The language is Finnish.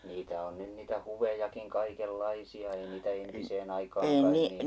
niitä on nyt niitä huvejakin kaikenlaisia ei niitä entiseen aikaan kai niin